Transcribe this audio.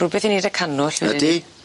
Rwbeth i neud â cannwll. Ydi.